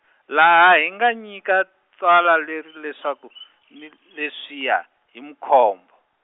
laha hi nga nyika tsalwa leri leswaku ni leswiya hi Mkhombo.